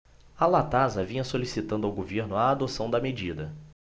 a latasa vinha solicitando ao governo a adoção da medida